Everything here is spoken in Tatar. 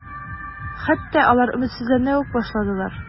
Хәтта алар өметсезләнә үк башладылар.